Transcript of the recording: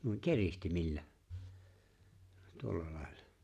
niin keritsimillä tuolla lailla